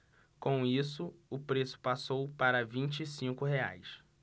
com isso o preço passou para vinte e cinco reais